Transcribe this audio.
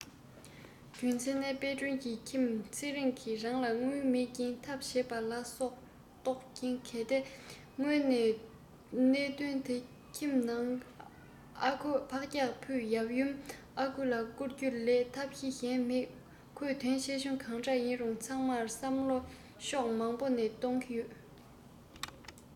རྒྱུ མཚན ནི དཔལ སྒྲོན གྱི ཁྱིམ ཚེ རིང གི རང ལ དངུལ མེད རྐྱེན ཐབས བྱས པ ལ སོགས པ རྟོག རྐྱེན གལ ཏེ སྔོན ནས གནད དོན དེ དག ཁྱིམ ནང ཨ ཁུ ཕག སྐྱག ཕུད ཡབ ཡུམ ཨ ཁུ ལ བསྐུར རྒྱུ ལས ཐབས ཤེས གཞན མེད ཁོས དོན ཆེ ཆུང གང འདྲ ཡིན རུང ཚང མར བསམ བློ ཕྱོགས མང པོ ནས གཏོང གི ཡོད